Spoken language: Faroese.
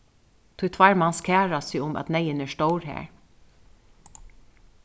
tí tveir mans kæra seg um at neyðin er stór har